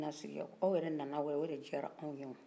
aw yɛrɛ nana u yɛrɛ jar'anw ye